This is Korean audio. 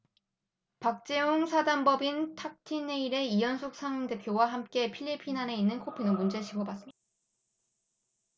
박재홍 사단법인 탁틴내일의 이현숙 상임대표와 함께 필리핀 안에 있는 코피노 문제 짚어봤습니다